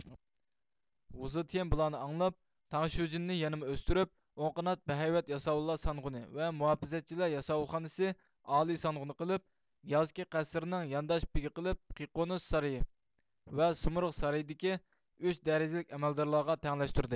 ۋۇزېتيەن بۇلارنى ئاڭلاپ تاڭشيۇجىننى يەنىمۇ ئۆستۈرۈپ ئوڭ قانات بەھەيۋەت ياساۋۇللار سانغۇنى ۋە مۇھاپىزەتچىلەر ياساۋۇلخانىسى ئالىي سانغۇنى قىلىپ يازكى قەسىرنىڭ يانداش بېگى قىلىپ قىقىنوس سارىيى ۋە سۇمرۇغ سارىيىدىكى ئۈچ دەرىجىلىك ئەمەلدارلارغا تەڭلەشتۈردى